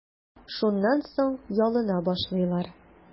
Шуннан соң ялына башлыйлар.